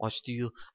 ochdi yu